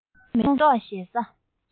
སྲས མོ མེ ཏོག བཞད ས